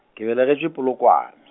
ke belegetšwe Polokwane.